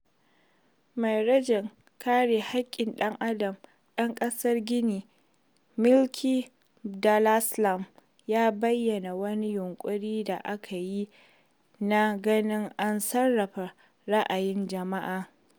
Mai rajin kare haƙƙin ɗan adam ɗan ƙasar Gini Macky Darsalam ya bayyana wani yunƙuri da ake yi na ganin an sarrafa ra'ayin jama'a.